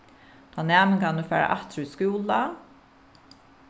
tá næmingarnir fara aftur í skúla